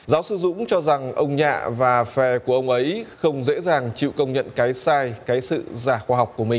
giáo sư dũng cho rằng ông nhạ và phe của ông ấy không dễ dàng chịu công nhận cái sai cái sự giả khoa học của mình